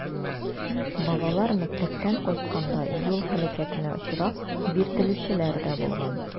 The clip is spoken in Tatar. Балалар мәктәптән кайтканда юл һәлакәтенә очрап, биртелүчеләр дә булган.